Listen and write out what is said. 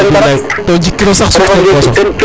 Bila bilay to jegkiro sax sutno poosof